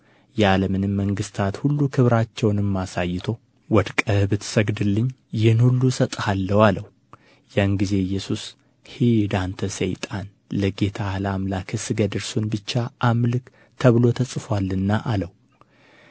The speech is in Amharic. የዓለምንም መንግሥታት ሁሉ ክብራቸውንም አሳይቶ ወድቀህ ብትሰግድልኝ ይህን ሁሉ እሰጥሃለሁ አለው ያን ጊዜ ኢየሱስ ሂድ አንተ ሰይጣን ለጌታህ ለአምላክህ ስገድ እርሱንም ብቻ አምልክ ተብሎ ተጽፎአልና አለው